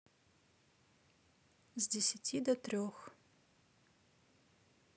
с десяти до трех